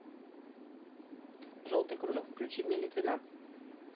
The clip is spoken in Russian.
желтый кружок включи мне литвина